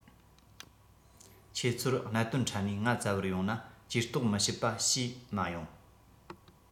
ཁྱེད ཚོར གནད དོན འཕྲད ནས ང བཙལ བར ཡོང ན ཇུས གཏོགས མི བྱེད པ བྱས མ ཡོང